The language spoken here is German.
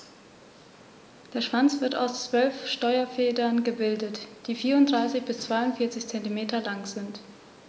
Der Schwanz wird aus 12 Steuerfedern gebildet, die 34 bis 42 cm lang sind.